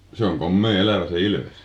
se on komea elävä se ilves